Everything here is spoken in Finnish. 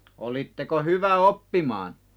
olitteko hyvä oppimaan